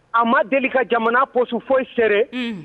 A ma deli ka jamana p foyi sɛɛrɛ